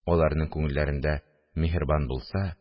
Аларның күңелләрендә миһербан булса